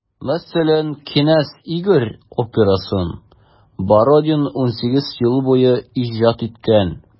Мәсәлән, «Кенәз Игорь» операсын Бородин 18 ел буе иҗат иткән.